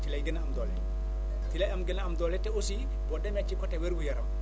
ci lay gën a am doole ci lay gën a am doole te aussi boo demee ci côté wér-gu-yaram